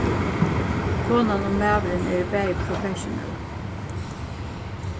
konan og maðurin eru bæði professionell